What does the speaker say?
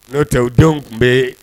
N'otɛ u denw tun bɛ yen